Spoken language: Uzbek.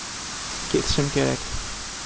ketishim kerak